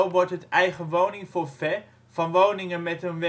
wordt het eigenwoningforfait van woningen met een